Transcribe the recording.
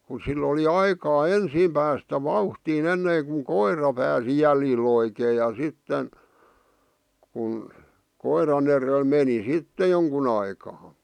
kun sillä oli aikaa ensin päästä vauhtiin ennen kun koira pääsi jäljille oikein ja sitten kun koiran edellä meni sitten jonkun aikaa